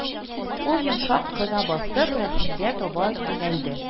Ул, йомшак кына басып, Рәхимгә таба юнәлде